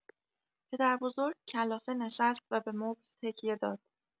پدربزرگ کلافه نشست و به مبل تکیه داد.